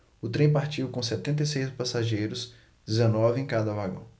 o trem partiu com setenta e seis passageiros dezenove em cada vagão